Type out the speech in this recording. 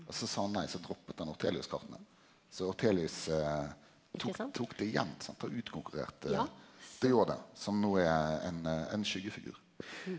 og så sa han nei så droppa han Ortelius-karta, så Ortelius tok tok det igjen sant og utkonkurrerte de Jode som nå er ein ein skyggefigur.